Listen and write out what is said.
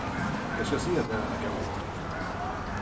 eg skal siga tær eina góða